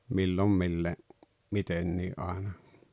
milloin - mitenkin aina